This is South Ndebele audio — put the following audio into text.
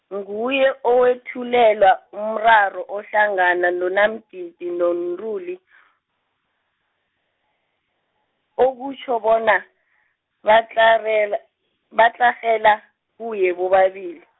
nguye owethulelwa umraro ohlangana noNaMgidi noNtuli , okutjho bona, baklarela- batlarhela, kuye bobabili.